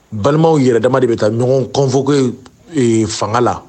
Balimaw yɛrɛ damama de bɛ taa ɲɔgɔn kɔnfɔko fanga la